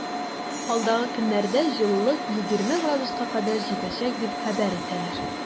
Алдагы көннәрдә җылылык 20 градуска кадәр җитәчәк дип хәбәр итәләр.